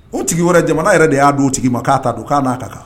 O tigi wɛrɛ jamana yɛrɛ de y'a don tigi ma k'a ta don' n'a kan